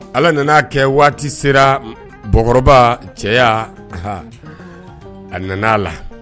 Ala nana a kɛ waati sera bkɔrɔba cɛ a nana a la